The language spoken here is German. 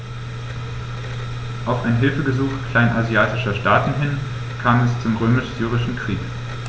Auf ein Hilfegesuch kleinasiatischer Staaten hin kam es zum Römisch-Syrischen Krieg.